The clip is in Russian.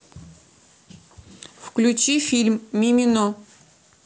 включи фильм мимино